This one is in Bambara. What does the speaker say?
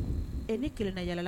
Ne kelen yalala